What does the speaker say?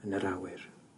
yn yr awyr.